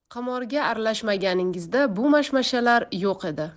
qimorga aralashmaganingizda bu mashmashalar yo'q edi